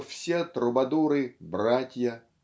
что все трубадуры -- братья